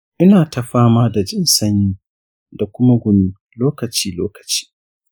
ina ta fama da jin sanyi da kuma gumi lokaci-lokaci.